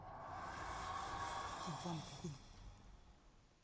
иван хуй